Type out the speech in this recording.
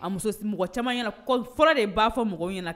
A muso mɔgɔ caman ɲɛna fɔlɔ de b'a fɔ mɔgɔ ɲɛna